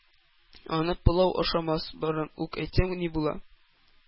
Аны пылау ашамас борын ук әйтсәң ни була!